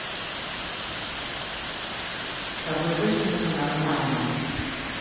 с тобой точно все нормально